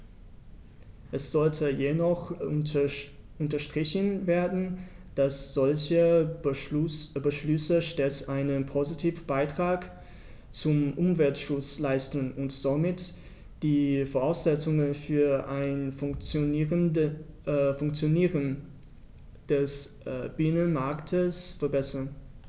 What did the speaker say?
Es sollte jedoch unterstrichen werden, dass solche Beschlüsse stets einen positiven Beitrag zum Umweltschutz leisten und somit die Voraussetzungen für ein Funktionieren des Binnenmarktes verbessern.